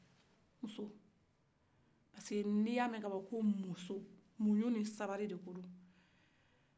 muso ni y'a mɛn kaban ko muso muɲu ni sabali de ko don